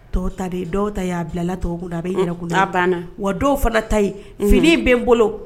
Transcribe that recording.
Ta dɔw ta a bilala tɔ a bɛ banna wa dɔw fana ta yen fini bɛ n bolo